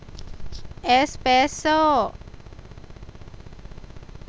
เอสเปสโซ่